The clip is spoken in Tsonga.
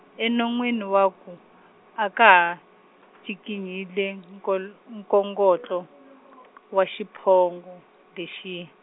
enonweni wa ku, a ka ha, ncikinyile nkol- nkongotlo, wa xiphongo lexiya.